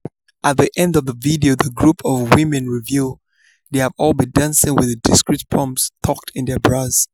At the end of the video the group of women reveal they've all been dancing with the discreet pumps tucked in their bras.